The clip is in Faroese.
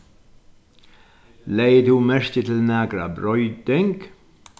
legði tú merki til nakra broyting